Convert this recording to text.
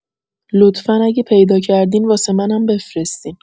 لطفا اگه پیدا کردین واسه منم بفرستین